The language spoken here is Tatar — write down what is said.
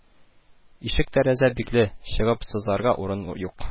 Ишек-тәрәзә бикле, чыгып сызарга урын юк